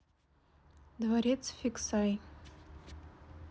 дворец фиксай